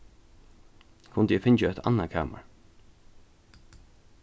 kundi eg fingið eitt annað kamar